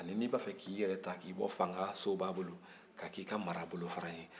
ani n'i b'a fɛ k'i yɛrɛta ka bɔ fanga soba bolo ka k'i ka marabolofara ye